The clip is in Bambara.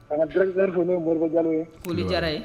A tunja ye ye